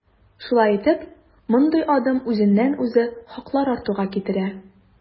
Шулай итеп, мондый адым үзеннән-үзе хаклар артуга китерә.